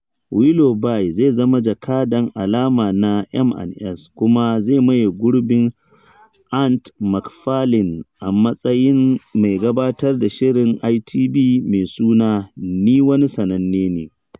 Willoughby zai zama jakadan alama na M&S kuma zai maye gurbin Ant McPartlin a matsayin mai gabatar da shirin ITV me suna Ni Wani Sananne Ne.